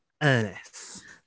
Ynys...